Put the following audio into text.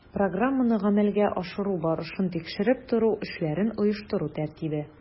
Программаны гамәлгә ашыру барышын тикшереп тору эшләрен оештыру тәртибе